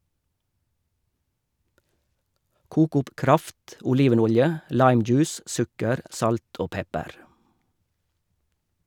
Kok opp kraft, olivenolje, limejuice, sukker, salt og pepper.